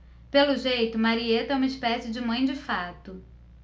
pelo jeito marieta é uma espécie de mãe de fato